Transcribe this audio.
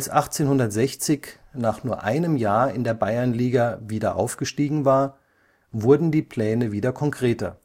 1860 nach nur einem Jahr in der Bayernliga wieder aufgestiegen war, wurden die Pläne wieder konkreter